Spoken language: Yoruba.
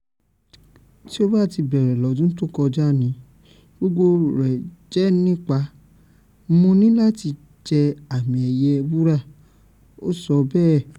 "Tí o bá ti bèèrè lọ́dún tó kọja ni, gbogbo rẹ̀ jẹ́ nípa ‘Mo ní láti jẹ́ àmì ẹ̀yẹ wúra’,” ó sọ bẹ́ẹ̀.